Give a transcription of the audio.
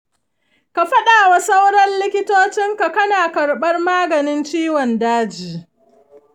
ka fadawa sauran likitocinka kana karbar maganin ciwon daji.